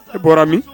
I bɔra min